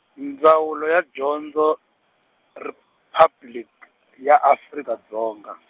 Ndzawulo ya dyondzo, Riphabliki ya Afrika Dzonga.